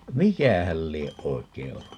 mikähän lie oikein ollut